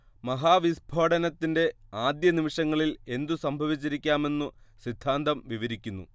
മഹാവിസ്ഫോടനത്തിന്റെ ആദ്യനിമിഷങ്ങളിൽ എന്തു സംഭവിച്ചിരിയ്ക്കാമെന്നു സിദ്ധാന്തം വിവരിയ്ക്കുന്നു